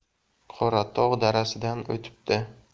qoratog' darasidan o'tibdi